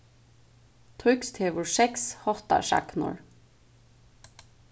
týskt hevur seks háttarsagnorð